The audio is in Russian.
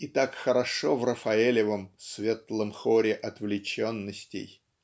и так хорошо в Рафаэлевом "светлом хоре отвлеченностей".